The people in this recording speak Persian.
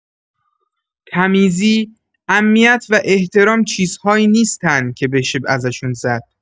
تمیزی، امنیت و احترام چیزهایی نیستن که بشه ازشون زد.